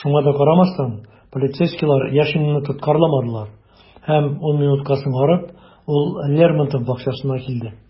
Шуңа да карамастан, полицейскийлар Яшинны тоткарламадылар - һәм ун минутка соңарып, ул Лермонтов бакчасына килде.